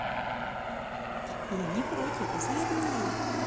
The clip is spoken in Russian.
я не против зови